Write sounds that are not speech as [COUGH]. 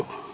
[HESITATION] [HESITATION]